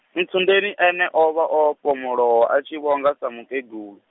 Ntsundeni ene o vha o fhomolowa a tshi vho nga sa mukegulu.